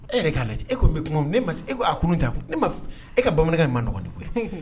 E yɛrɛ k'a lajɛ e ko bɛ e ko a kun ta ne e ka bamanankan in man dɔgɔn koyi